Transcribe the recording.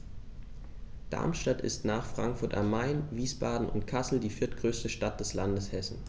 Darmstadt ist nach Frankfurt am Main, Wiesbaden und Kassel die viertgrößte Stadt des Landes Hessen